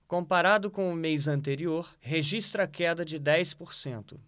comparado com o mês anterior registra queda de dez por cento